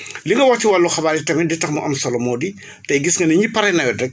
li nga wax si wàllu xibaar yi tamit li tax mu am solo moo di tey gis nga ni ñu paree nawet rek